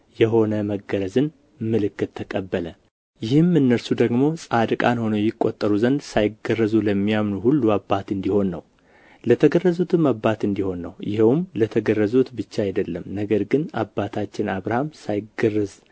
የሆነ የመገረዝን ምልክት ተቀበለ ይህም እነርሱ ደግሞ ጻድቃን ሆነው ይቆጠሩ ዘንድ ሳይገረዙ ለሚያምኑ ሁሉ አባት እንዲሆን ነው ለተገረዙትም አባት እንዲሆን ነው ይኸውም ለተገረዙት ብቻ አይደለም ነገር ግን አባታችን አብርሃም ሳይገረዝ